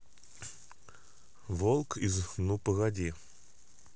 волк из ну погоди